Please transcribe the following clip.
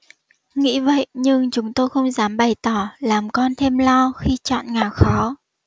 nghĩ vậy nhưng chúng tôi không dám bày tỏ làm con thêm lo khi chọn ngả khó